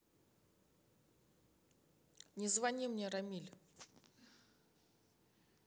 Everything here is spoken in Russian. не звони мне ramil'